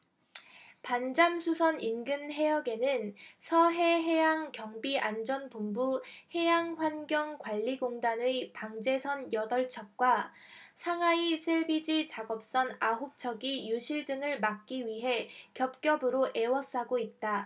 반잠수선 인근해역에는 서해해양경비안전본부 해양환경관리공단의 방제선 여덟 척과 상하이 샐비지 작업선 아홉 척이 유실 등을 막기 위해 겹겹으로 에워싸고 있다